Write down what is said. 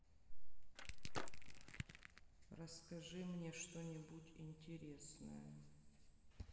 расскажи мне что нибудь интересное